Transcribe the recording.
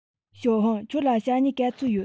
ཞའོ ཧུང ཁྱོད ལ ཞྭ སྨྱུག ག ཚོད ཡོད